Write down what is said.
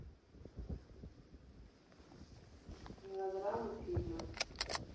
мелодрамы фильмы